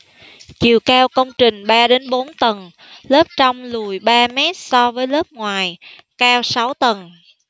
chiều cao công trình ba đến bốn tầng lớp trong lùi ba mét so với lớp ngoài cao sáu tầng